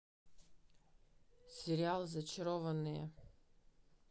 сериал зачарованные